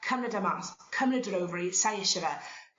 cymryd e mas cymryd yr ofari sai isie fe